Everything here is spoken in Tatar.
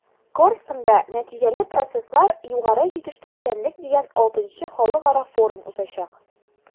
“корстон”да “нәтиҗәле процесслар-югары җитештерүчәнлек” дигән vι халыкара форум узачак.